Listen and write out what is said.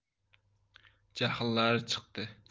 jahllari chiqdi